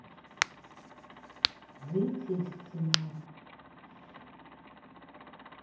выйти из сценария